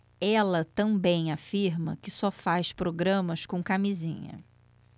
ela também afirma que só faz programas com camisinha